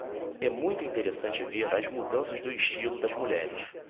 é muito interessante ver as mudanças do estilo das mulheres